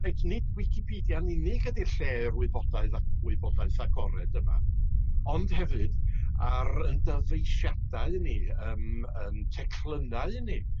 reit nid wicipedia'n unig ydi'r lle'r wybodaeth a wybodaeth agored yma ond hefyd ar yn dyfeisiadau ni yym 'yn teclynnau ni.